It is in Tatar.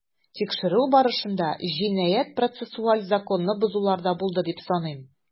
Тикшерү барышында җинаять-процессуаль законны бозулар да булды дип саныйм.